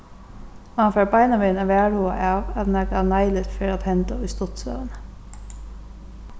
mann fær beinanvegin ein varhugan av at nakað neiligt fer at henda í stuttsøguni